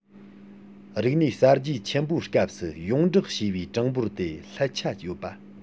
རིག གནས གསར བརྗེ ཆེན པོའི སྐབས སུ ཡོངས བསྒྲགས བྱས པའི གྲངས འབོར དེ ལྷད ཆ ཡོད པ